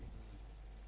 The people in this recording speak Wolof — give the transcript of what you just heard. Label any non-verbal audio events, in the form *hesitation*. *hesitation* *hesitation*